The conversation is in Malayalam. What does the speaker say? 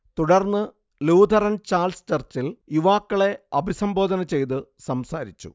തുടർന്ന് ലൂഥറൻ ചാൾസ് ചർച്ചിൽ യുവാക്കളെ അഭിസംബോധന ചെയ്തു സംസാരിച്ചു